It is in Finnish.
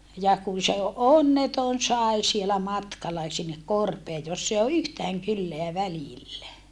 ja kun se onneton sai siellä matkalla sinne korpeen jossa ei ole yhtään kylää välillä